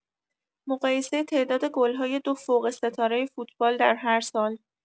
مقایسه تعداد گل‌های دو فوق ستاره فوتبال در هر سال